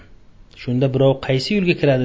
shunda birov qaysi yo'lga kiradi